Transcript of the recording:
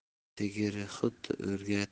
sigiri xuddi o'rgatib